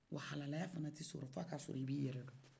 wa halalaya fana tɛ sɔrɔ f'a ka sɔrɔ i b'i yɛrɛ dɔn